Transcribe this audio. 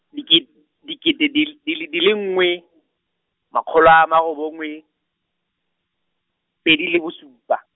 diket-, dikete dil- di le di lenngwe, makgolo a ma robong we, pedi le bosupa.